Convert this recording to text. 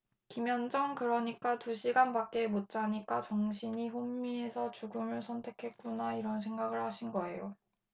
김현정 그러니까 두 시간밖에 못 자니까 정신이 혼미해서 죽음을 선택했구나 이런 생각을 하신 거예요